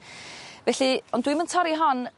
Felly ond dwi'm yn torri hon